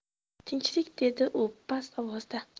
tinchlik dedi u past ovozda